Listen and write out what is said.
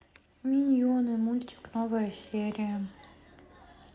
миньоны мультик новая серия